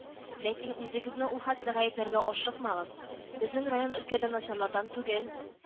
—ләкин, үзегезне ул хәтле гаепләргә ашыкмагыз, безнең район өлкәдә начарлардан түгел